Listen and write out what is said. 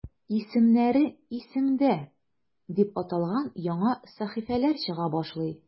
"исемнәре – исемдә" дип аталган яңа сәхифәләр чыга башлый.